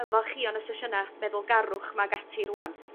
ymfalchio yn y sesiyna meddwlgarwch 'ma ag ati rŵan.